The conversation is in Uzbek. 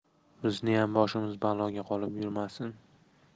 bizniyam boshimiz baloga qolib yurmasin